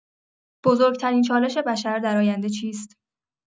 بزرگ‌ترین چالش بشر در آینده چیست؟